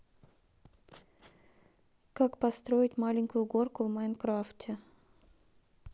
как построить маленькую горку в майнкрафте